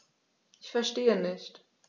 Ich verstehe nicht.